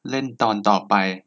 เล่นตอนต่อไป